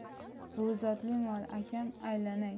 bu zotli mol akam aylanay